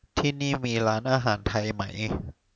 ที่นี่มีร้านอาหารไทยไหม